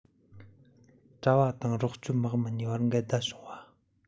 གྲྭ པ དང རོགས སྐྱོབ དམག མི གཉིས བར འགལ ཟླ བྱུང བ